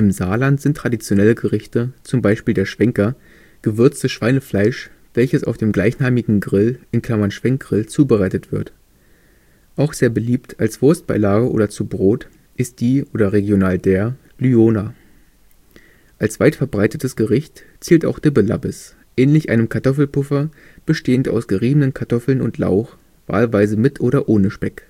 Saarland sind traditionelle Gerichte zum Beispiel der Schwenker, gewürztes Schweinefleisch welches auf dem gleichnamigen Grill (Schwenkgrill) zubereitet wird. Auch sehr beliebt als Wurstbeilage oder zu Brot ist die (regional: der) Lyoner. Als weitverbreitetes Gericht zählt auch Dibbelabbes, ähnlich einem Kartoffelpuffer, bestehend aus geriebenen Kartoffeln und Lauch, wahlweise mit oder ohne Speck